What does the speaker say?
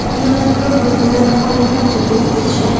xiyonatkor yulduzlar xoinlarcha ko'z qisishar